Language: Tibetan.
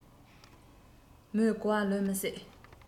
མོས གོ བ ལོན མི སྲིད